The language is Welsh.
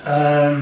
Yym.